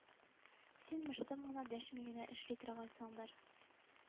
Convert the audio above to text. Син мыштым гына дәшми генә эшли торгансыңдыр